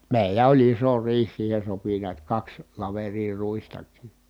meillä oli iso riihi siihen sopi näet kaksi laveria ruistakin